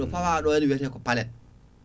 to fawaɗo henna wiyete ko palette